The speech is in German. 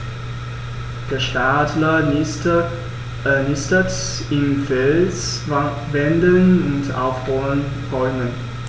Der Steinadler nistet in Felswänden und auf hohen Bäumen.